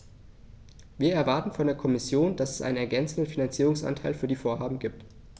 Wir erwarten von der Kommission, dass es einen ergänzenden Finanzierungsanteil für die Vorhaben gibt.